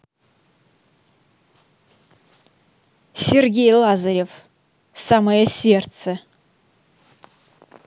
сергей лазарев самое сердце